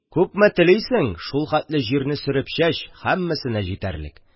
Күпме телисең, шулхәтле җирне сөреп чәч, һәммәсенә җитәрлек.